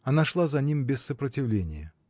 Она шла за ним без сопротивления